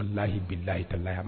Lahi bi lahi taa la